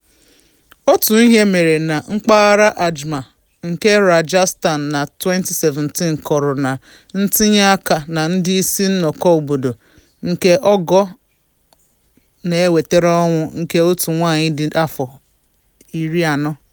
Otu ihe mere na mpaghara Ajmer nke Rajasthan na 2017 kọrọ na ntinye aka na ndị isi nnọkọ obodo nke ogo na-wetere ọnwụ nke otu nwaanyị dị afọ 40.